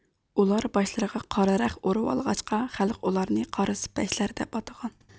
ئۇلار باشلىرىغا قارا رەخت ئورۇۋالغاچقا خەلق ئۇلارنى قارا سىپەچلەر دەپ ئاتىغان